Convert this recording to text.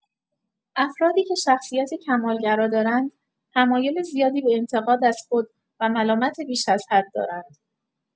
افرادی که شخصیت کمال‌گرا دارند، تمایل زیادی به انتقاد از خود و ملامت بیش‌ازحد دارند.